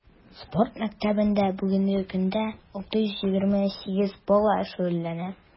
Спорт мәктәбендә бүгенге көндә 628 бала шөгыльләнә.